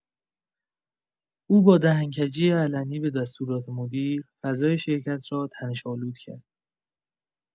او با دهن‌کجی علنی به دستورات مدیر، فضای شرکت را تنش‌آلود کرد.